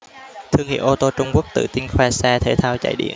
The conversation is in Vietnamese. thương hiệu ô tô trung quốc tự tin khoe xe thể thao chạy điện